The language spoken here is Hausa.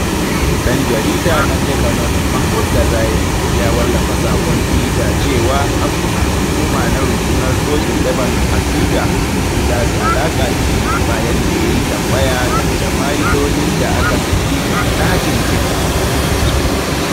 Ɗan jarida ɗan Lebanon, Mahmoud Ghazayel, ya wallafa saƙon Twitter cewa asusun hukuma na Rundunar Sojin Lebanon a Twitter sun datse alaƙa da shi bayan da ya yi tambaya game da fayilolin da aka saki na Hacking Team.